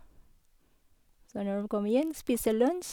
Så når vi kommer inn, spise lunsj.